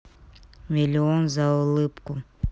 миллион за улыбку